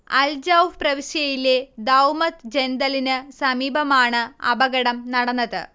Al Jouf പ്രവിശ്യയിലെ Dumat ജൻദലിന് സമീപമാണ് അപകടം നടന്നത്